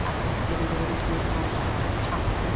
Ac wedyn, mi fyddwn ni'n symud ymlaen at y copaon.